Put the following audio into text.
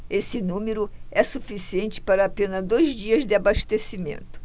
esse número é suficiente para apenas dois dias de abastecimento